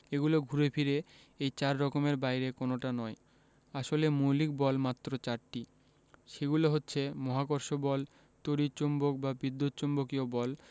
এগুলো ঘুরে ফিরে এই চার রকমের বাইরে কোনোটা নয় আসলে মৌলিক বল মাত্র চারটি সেগুলো হচ্ছে মহাকর্ষ বল তড়িৎ চৌম্বক বা বিদ্যুৎ চৌম্বকীয় বল